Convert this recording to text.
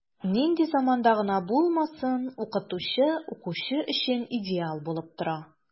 Нинди заманда гына булмасын, укытучы укучы өчен идеал булып тора.